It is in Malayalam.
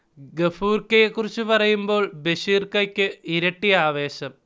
ഗഫൂർക്കയെ കുറിച്ച് പറയുമ്പോൾ ബഷീർക്കയ്ക്ക് ഇരട്ടി ആവേശം